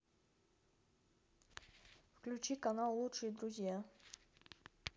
включи канал лучшие друзья